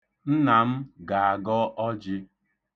Nna m ga-agọ oji.